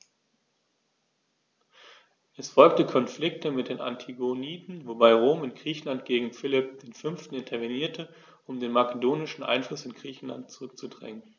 Es folgten Konflikte mit den Antigoniden, wobei Rom in Griechenland gegen Philipp V. intervenierte, um den makedonischen Einfluss in Griechenland zurückzudrängen.